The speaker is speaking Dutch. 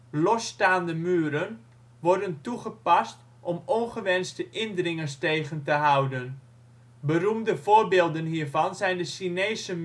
Losstaande muren worden toegepast om ongewenste indringers tegen te houden. Beroemde voorbeelden hiervan zijn de Chinese